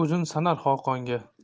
o'zin sanar xoqonga